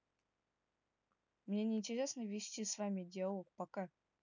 мне не интересно вести с вами диалог пока